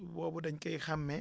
boobu dañ koy xàmmee